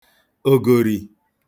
ògòrì